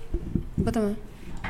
Batoma